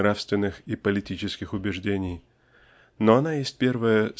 нравственных и политических убеждений но она есть первое